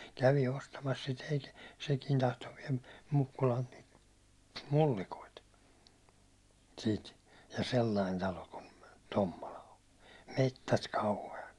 - kävi ostamassa sitä ei sekin tahtoi vielä Mukkulalta niitä mullikoita siitä ja sellainen talo kuin Tommola on metsät kauheat